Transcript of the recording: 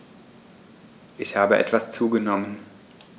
Ich habe etwas zugenommen